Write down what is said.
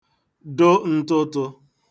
dụ n̄tụ̄tụ̄